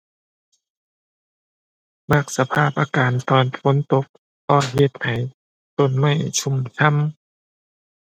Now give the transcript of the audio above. มักสภาพอากาศตอนฝนตก เพราะเฮ็ดให้ต้นไม้ชุ่มฉ่ำ